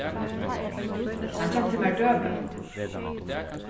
hann keypti mær døgurða